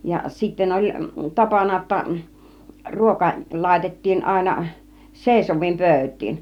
ja sitten oli tapana jotta ruoka laitettiin aina seisoviin pöytiin